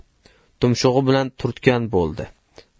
tumshug'i bilan turtgan bo'ldi